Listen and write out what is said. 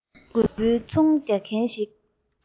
དབྱར རྩྭ དགུན འབུའི ཚོང རྒྱག མཁན ཞིག